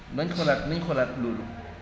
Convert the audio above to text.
nañ xoolaat nañ xoolaat loolu